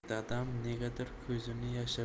dadam negadir ko'zini yashirdi